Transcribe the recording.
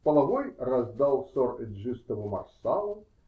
Половой раздал сор-эджистову марсалу